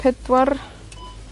pedwar